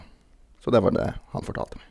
Så det var det han fortalte meg.